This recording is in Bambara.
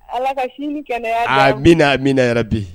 Ala ka kɛnɛya a bɛna a min yɛrɛ bi